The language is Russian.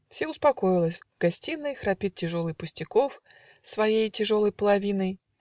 Все успокоилось: в гостиной Храпит тяжелый Пустяков С своей тяжелой половиной.